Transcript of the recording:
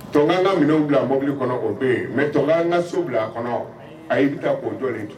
To an ka minɛn bila bɔbili kɔnɔ o bɛ yen mɛ to an ka so bila a kɔnɔ a ye taa k'o jɔlen